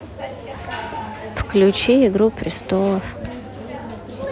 включи игру престолов